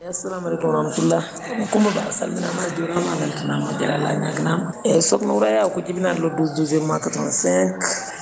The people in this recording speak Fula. eyyi assalamu aleykum wa rahmatullah Coumba Ba a salminama a juurama a weltanama moƴƴere Allah a weltanama eyyi sokhna Houraye Aw ko jibinaɗo le 12/12/96